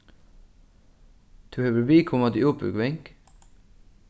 tú hevur viðkomandi útbúgving